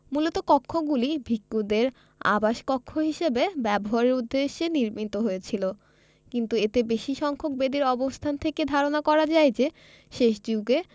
মূলত কক্ষগুলি ভিক্ষুদের আবাসকক্ষ হিসেবে ব্যবহারের উদ্দেশ্যে নির্মিত হয়েছিল কিন্তু এত বেশি সংখ্যক বেদির অবস্থান থেকে ধারণা করা যায় যে শেষ যুগে